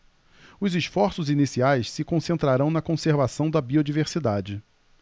os esforços iniciais se concentrarão na conservação da biodiversidade